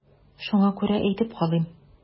Шуңа күрә әйтеп калыйм.